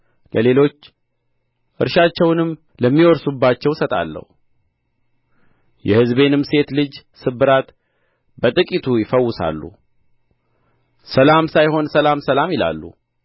ለሌሎች እርሻቸውንም ለሚወርሱባቸው እሰጣለሁ የሕዝቤንም ሴት ልጅ ስብራት በጥቂቱ ይፈውሳሉ ሰላም ሳይሆን ስለም ሰላም ይላሉ